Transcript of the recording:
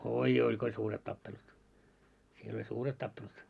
oi oi kun oli suuret tappelut siellä oli suuret tappelut